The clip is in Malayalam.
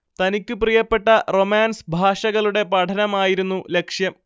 തനിക്ക് പ്രിയപ്പെട്ട റൊമാൻസ് ഭാഷകളുടെ പഠനമായിരുന്നു ലക്ഷ്യം